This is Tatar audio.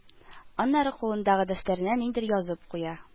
Аннары кулындагы дәфтәренә нидер язып куя